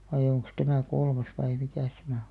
vai onkos tämä kolmas vai mikäs tämä on